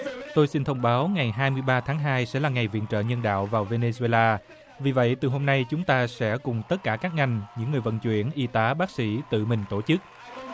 tôi xin thông báo ngày hai mươi ba tháng hai sẽ là ngày viện trợ nhân đạo vào vê nê duê la vì vậy từ hôm nay chúng ta sẽ cùng tất cả các ngành những người vận chuyển y tá bác sĩ tự mình tổ chức